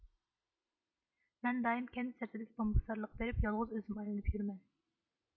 مەن دائىم كەنت سىرتىدىكى بامبۇكزارلىققا بېرىپ يالغۇز ئۆزۈم ئايلىنىپ يۈرىمەن